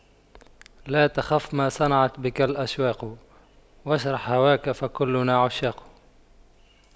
لا تخف ما صنعت بك الأشواق واشرح هواك فكلنا عشاق